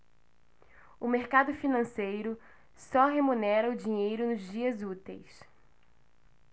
o mercado financeiro só remunera o dinheiro nos dias úteis